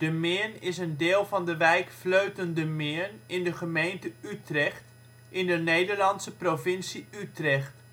Meern is een deel van de wijk Vleuten-De Meern in de gemeente Utrecht, in de Nederlandse provincie Utrecht